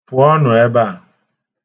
Pụọnu ebe a.